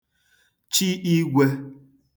chi igwē